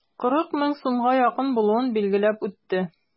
40 мең сумга якын булуын билгеләп үтте.